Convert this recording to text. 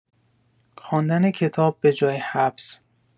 خواندن کتاب به‌جای حبس!